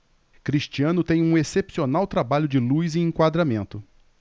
cristiano tem um excepcional trabalho de luz e enquadramento